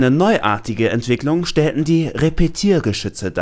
neuartige Entwicklung stellten die Repetiergeschütze